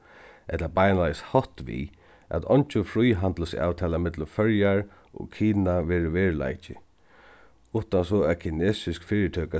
ella beinleiðis hótt við at eingin fríhandilsavtala millum føroyar og kina verður veruleiki uttan so at kinesisk fyritøka